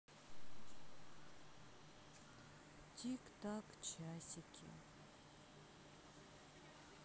тик так часики